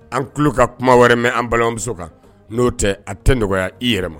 An tulo ka kuma wɛrɛ mɛn an balima bɛ kan n'o tɛ a tɛ nɔgɔya i yɛrɛ ma